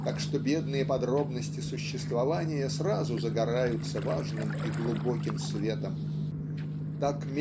так что бедные подробности существования сразу загораются важным и глубоким светом. Так